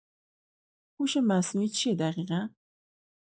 هوش مصنوعی چیه دقیقا؟